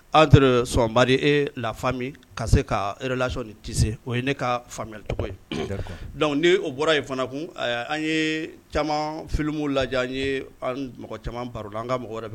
An sonbari e lafa min ka se k kala ni tɛ se o ye ne ka faamuya tɔgɔ ye dɔnku ni o bɔra yen fana kun an ye caman filimu lajɛ an ye mɔgɔ caman baro la an ka mɔgɔ wɛrɛ bɛ